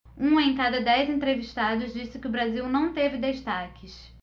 um em cada dez entrevistados disse que o brasil não teve destaques